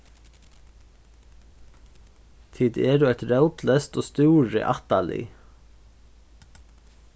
tit eru eitt rótleyst og stúrið ættarlið